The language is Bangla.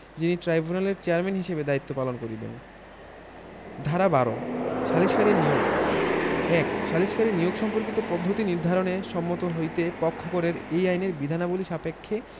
যিনি ট্রাইব্যুনালের চেয়ারম্যান হিসাবে দায়িত্ব পালন করিবেন ধারা ১২ সালিসকারী নিয়োগঃ ১ সালিসকারী নিয়োগ সম্পর্কিত পদ্ধতি নির্ধারণে সম্মত হইতে পক্ষগণের এই আইনের বিধানবলী সাপেক্ষে